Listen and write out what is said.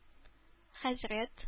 Хәзрәт